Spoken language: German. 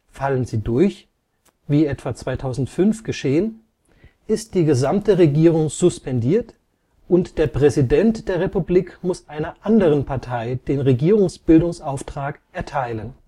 Fallen sie durch – wie etwa 2005 geschehen –, ist die gesamte Regierung suspendiert und der Präsident der Republik muss einer anderen Partei den Regierungsbildungsauftrag erteilen